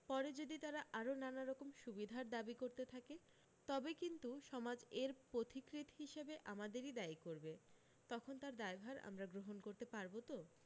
পরে যদি তারা আরও নানারকম সুবিধার দাবি করতে থাকে তবে কিন্তু সমাজ এর পথিকৃত হিসেবে আমাদেরই দায়ী করবে তখন তার দায়ভার আমরা গ্রহন করতে পারব তো